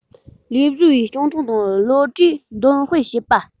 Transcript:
ལས བཟོ པའི སྤྱང གྲུང དང བློ གྲོས འདོན སྤེལ བྱེད པ